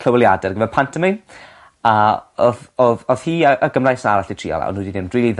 clyweliadau dwi me'wl pantomeim a odd odd odd hi a a Gymraes arall 'di trial a n'w 'di neud yn rili dda